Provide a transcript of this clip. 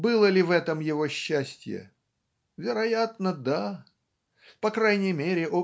Было ли в этом его счастье? Вероятно, да. По крайней мере